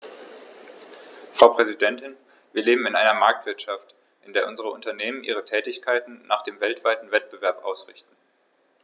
Frau Präsidentin, wir leben in einer Marktwirtschaft, in der unsere Unternehmen ihre Tätigkeiten nach dem weltweiten Wettbewerb ausrichten.